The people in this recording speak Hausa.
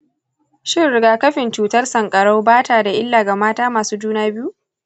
shin riga-kafin cutar sanƙarau bata da illa ga mata masu juna biyu?